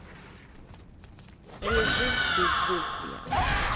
режим бездействия